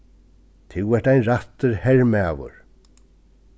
tú ert ein rættur hermaður